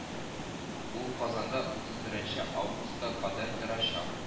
Ул Казанда утыз беренче августка кадәр торачак